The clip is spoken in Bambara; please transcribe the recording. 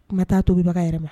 Kuma taa to bɛbaga yɛrɛ ma